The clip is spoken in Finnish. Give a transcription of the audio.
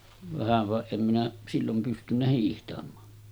vähän vaan en minä silloin pystynyt hiihtämään